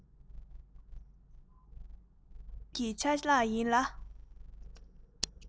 རྩོམ རིག གི ཆ ལག ཡིན ལ